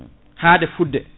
haade fudde